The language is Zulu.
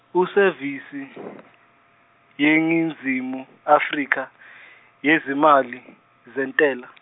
usevisi yeNingizimu Afrika yezimali zentela.